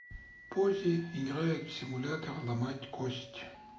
пози играет в симулятор ломать кость